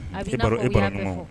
E e bɔra kungo